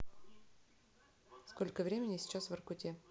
сколько времени сейчас в воркуте